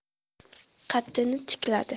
qaddini tikladi